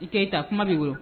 I Keyita kuma b'i bolo